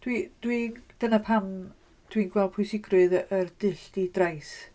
Dwi dwi... dyna pam dwi'n gweld pwysigrwydd y dull di-drais.